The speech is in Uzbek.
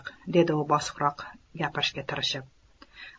dedi u bosiqroq gapirishga tirishib